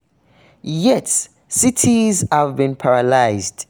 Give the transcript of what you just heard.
Yet, cities have been paralyzed.